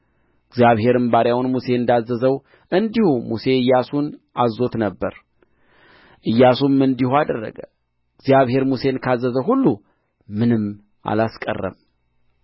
እግዚአብሔርም ባሪያውን ሙሴን እንዳዘዘው እንዲሁ ሙሴ ኢያሱን አዝዞት ነበር ኢያሱም እንዲሁ አደረገ እግዚአብሔር ሙሴን ካዘዘው ሁሉ ምንም አላስቀረም